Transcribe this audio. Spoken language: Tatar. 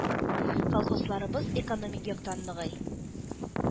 Колхозларыбыз экономик яктан ныгый.